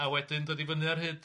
A wedyn dod i fyny ar hyd.